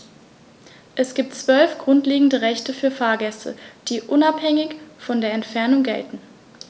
Es gibt 12 grundlegende Rechte für Fahrgäste, die unabhängig von der Entfernung gelten.